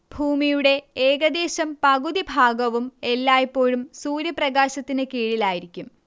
ഭൂമിയുടേ ഏകദേശം പകുതി ഭാഗവും എല്ലായ്പ്പോഴും സൂര്യപ്രകാശത്തിന് കീഴിലായിരിക്കും